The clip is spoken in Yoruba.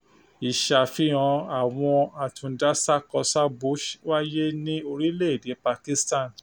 Ìṣàfihàn àwọn Àtúndásákosábo wáyé ní orílẹ̀-èdè Pakistan.